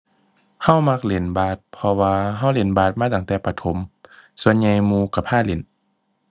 เรามักเล่นบาส เพราะว่าเราเล่นบาสมาตั้งแต่ประถม ส่วนใหญ่หมู่เราพาเล่น